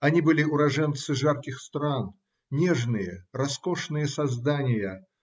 Они были уроженцы жарких стран, нежные, роскошные создания